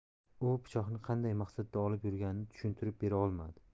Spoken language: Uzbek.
u pichoqni qanday maqsadda olib yurganini tushuntirib bera olmadi